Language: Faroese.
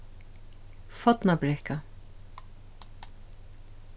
fornabrekka